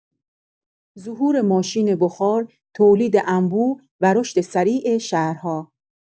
ظهور ماشین بخار، تولید انبوه و رشد سریع شهرها.